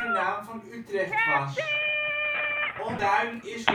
naam van Utrecht was. Onduidelijk is